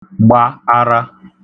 gba ara